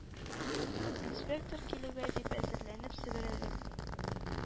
Инспектор килүгә дип әзерләнеп себерелеп